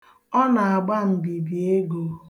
Ọ na-agba mbibi ego.